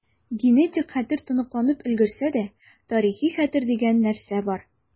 Генетик хәтер тоныкланып өлгерсә дә, тарихи хәтер дигән нәрсә бар.